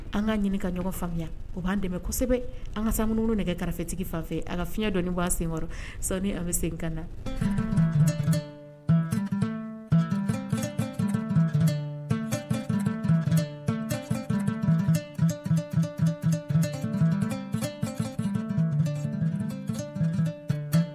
An k kaa ɲini ka ɲɔgɔn faamuya o b'an dɛmɛ kosɛbɛ an ka san minnuunu nɛgɛ kɛrɛfɛfetigi fanfɛ a ka fiɲɛ dɔn waa sen san an bɛ segin ka na